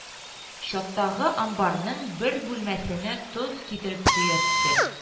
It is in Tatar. Чаттагы амбарының бер бүлмәсенә тоз китереп төятте